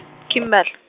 Kimberley.